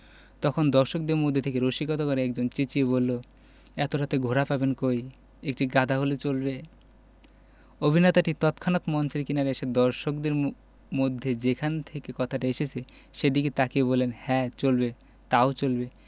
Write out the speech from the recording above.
তখন দর্শকদের মধ্য থেকে রসিকতা করে একজন চেঁচিয়ে বললো এত রাতে ঘোড়া পাবেন কই একটি গাধা হলে চলবে অভিনেতাটি তৎক্ষনাত মঞ্চের কিনারে এসে দর্শকদের মধ্যে যেখান থেকে কথাটা এসেছে সেদিকে তাকিয়ে বললেন হ্যাঁ চলবে তাও চলবে